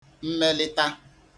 mmelịta